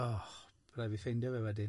O, rhaid fi ffeindio fe wedyn.